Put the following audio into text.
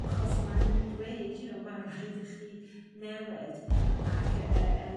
achos mae n'w'n dweud you know ma' raid i chi newid ac y yr